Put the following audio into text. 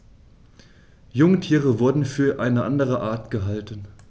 Jungtiere wurden für eine andere Art gehalten.